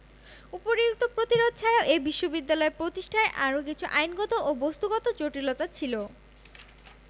উপরিউক্ত প্রতিরোধ ছাড়াও এ বিশ্ববিদ্যালয় প্রতিষ্ঠায় আরও কিছু আইনগত ও বস্ত্তগত জটিলতা ছিল